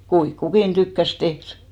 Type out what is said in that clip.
kuinka kukin tykkäsi tehdä